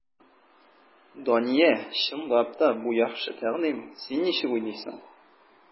Дания, чынлап та, бу яхшы тәкъдим, син ничек уйлыйсың?